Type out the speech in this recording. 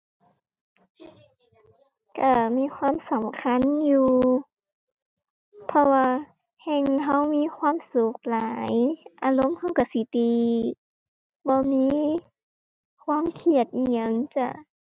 ก็มีความสำคัญอยู่ เพราะว่าแฮ่งก็มีความสุขหลาย อารมณ์ก็ก็สิดีบ่มีความเครียดอิหยังจ้ะ